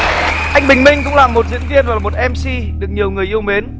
anh bình minh cũng là một diễn viên và là một em si được nhiều người yêu mến